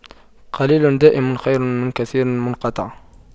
قليل دائم خير من كثير منقطع